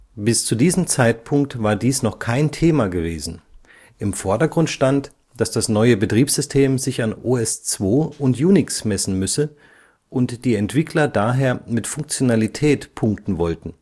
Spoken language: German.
Bis zu diesem Zeitpunkt war dies noch kein Thema gewesen, im Vordergrund stand, dass das neue Betriebssystem sich an OS/2 und Unix messen müsse und die Entwickler daher mit Funktionalität punkten wollten